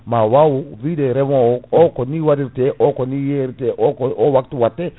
ma waw wide reemowo o koni waɗirte o koni yeyrete o ko o waktu watte